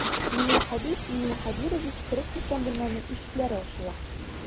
Миңлехәбиб миңлехәбирович кереп киткән бүлмәнең ишекләре ачыла.